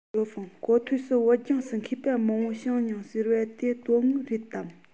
ཞའོ ཧྥུང གོ ཐོས སུ བོད ལྗོངས སུ མཁས པ མང པོ བྱུང མྱོང ཟེར བ དེ དོན དངོས རེད དམ